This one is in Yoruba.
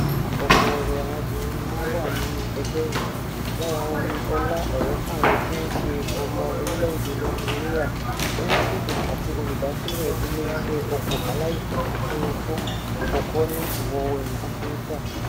Ọ̀gọ̀ọ̀rọ̀ àwọn obìnrin ni wọ́n wà nínú ẹgbẹ́ yìí, lára wọn ni Ọlá Ọ̀rẹ́kunrin tíì ṣe ọmọ orílẹ̀ èdè Nàìjíríà, oníṣègùn àti olùdásílẹ̀ ilé iṣẹ́ ọkọ̀ aláìsàn òfurufú àkọ́kọ́ ní ìwọ̀-oòrùn Áfíríkà.